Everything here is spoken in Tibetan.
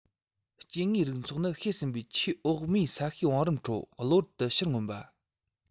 སྐྱེ དངོས རིགས ཚོགས ནི ཤེས ཟིན པའི ཆེས འོག མའི ས གཤིས བང རིམ ཁྲོད གློ བུར དུ ཕྱིར མངོན པ